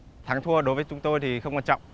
thắng thua đối với chúng tôi thì không quan trọng